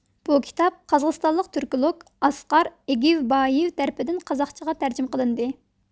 بۇ كىتاب قازاقىستانلىق تۈركولوگ ئاسقار ئېگېۋبايېۋ تەرىپىدىن قازاقچىغا تەرجىمە قىلىندى